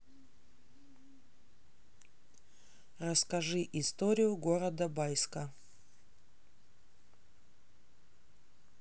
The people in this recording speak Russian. расскажи историю города бийска